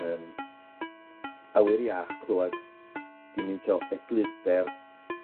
Mae yn awyr iach clwad gymint o eglurder